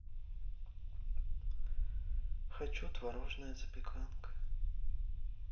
хочу творожная запеканка